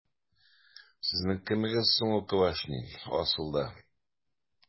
Сезнең кемегез соң ул Квашнин, асылда? ..